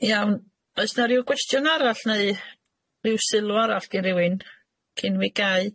Iawn oes na ryw gwestiwn arall neu ryw sylw arall gin rywun cyn mi gau?